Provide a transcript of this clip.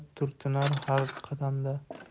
turtinar har qadamda